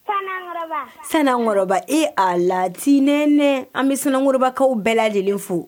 Sinan sinakɔrɔ e a latiinɛɛnɛ an bɛ sunkɔrɔkɔrɔbakaw bɛɛ lajɛlenlen fo